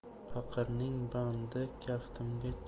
paqirning bandi kaftimga